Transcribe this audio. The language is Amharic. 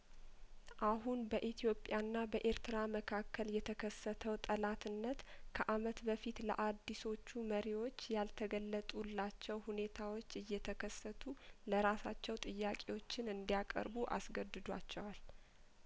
አሁን በኢትዮጵያ ና በኤርትራ መካከል የተከሰተው ጠላትነት ከአመት በፊት ለአዲሶቹ መሪዎች ያልተገለጡላቸው ሁኔታዎች እየተከሰቱ ለራሳቸው ጥያቄዎችን እንዲ ያቀርቡ አስገድዷቸዋል